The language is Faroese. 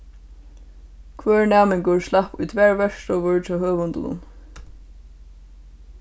hvør næmingur slapp í tvær verkstovur hjá høvundunum